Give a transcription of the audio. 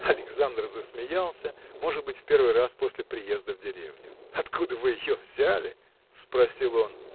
Александр засмеялся, может быть в первый раз после приезда в деревню. – Откуда вы ее взяли? – спросил он.